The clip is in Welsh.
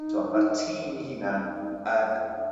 T'wo' ma'r tîm 'i hunan yn